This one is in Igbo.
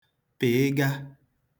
pị̀ịga